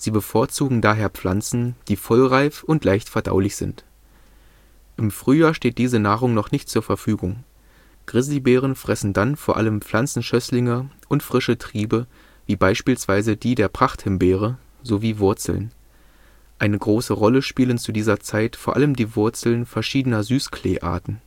bevorzugen daher Pflanzen, die vollreif und leicht verdaulich sind. Im Frühjahr steht diese Nahrung noch nicht zur Verfügung. Grizzlybären fressen dann vor allem Pflanzenschößlinge und frische Triebe wie beispielsweise die der Prachthimbeere sowie Wurzeln. Eine große Rolle spielen zu dieser Zeit vor allem die Wurzeln verschiedener Süßkleearten